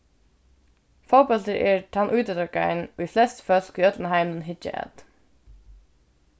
fótbóltur er tann ítróttagrein ið flest fólk í øllum heiminum hyggja at